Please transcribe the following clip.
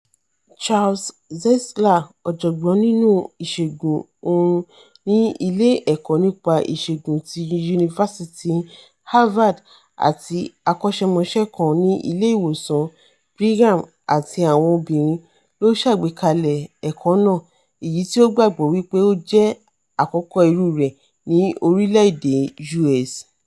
Charles Czeisler, ọ̀jọ̀gbọ́n nínú ìṣègùn oorun ní Ilé Ẹ̀kọ́ nípa Ìṣègùn ti Yunifasiti Havard àti akọ́ṣẹ́mọṣẹ́ kan ní Ilé Ìwòsàn Brigham àti àwọn obìnrin, ló ṣàgbékalẹ̀ ẹ̀kọ́ náà, èyití o gbàgbọ́ wí pé ó jẹ́ àkọ́kọ́ irú rẹ̀ ní orílẹ̀-èdè US.